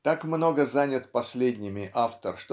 так много занят последними автор